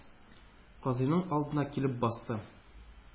Казыйның алдына килеп басты.